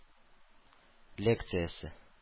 Лекциясе